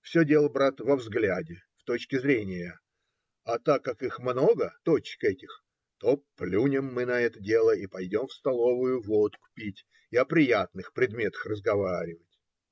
Все дело, брат, во взгляде, в точке зрения, а так как их много, точек этих, то плюнем мы на это дело и пойдем в столовую водку пить и о приятных предметах разговаривать.